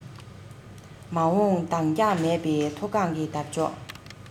མ འོངས འདང རྒྱག མེད པའི མཐོ སྒང གི དར ལྕོག